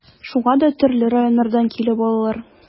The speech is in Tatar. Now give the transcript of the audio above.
Шуңа да төрле районнардан килеп алалар.